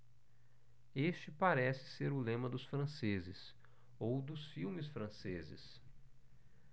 este parece ser o lema dos franceses ou dos filmes franceses